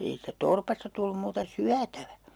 ei siitä torpasta tullut muuta syötävä